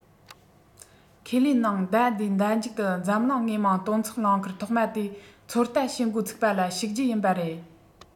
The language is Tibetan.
ཁས ལེན ནང ཟླ འདིའི ཟླ མཇུག ཏུ འཛམ གླིང དངོས མང སྟོན ཚོགས གླིང ཁུལ ཐོག མ དེ ཚོད ལྟ བྱེད འགོ ཚུགས པ ལ ཞུགས རྒྱུ ཡིན པ རེད